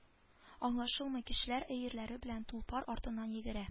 Аңлашылмый кешеләр өерләре белән тулпар артыннан йөгерә